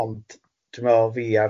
Ond dwi'n meddwl fi ar